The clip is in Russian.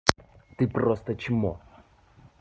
ты просто чмо